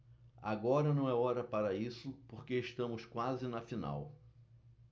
agora não é hora para isso porque estamos quase na final